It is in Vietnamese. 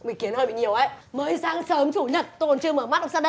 ý kiến hơi bị nhiều đấy mới sáng sớm chủ nhật tôi còn chưa mở mắt ông sang